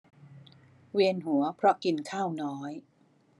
เวียนหัวเพราะกินข้าวน้อย